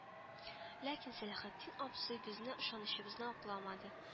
Ләкин Сәләхетдин абзый безне ышанычыбызны акламады